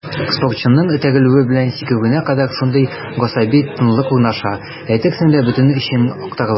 Спортчының этәрелүе белән сикерүенә кадәр шундый гасаби тынлык урнаша, әйтерсең лә бөтен эчең актарыла.